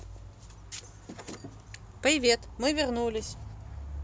привет мы вернулись